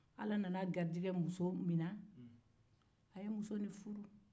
ala nan'a garijɛgɛ muso min na a ye muso nin furu